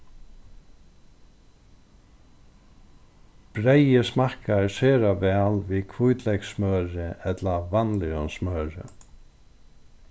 breyðið smakkar sera væl við hvítleykssmøri ella vanligum smøri